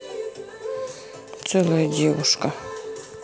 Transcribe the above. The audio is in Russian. целая девушка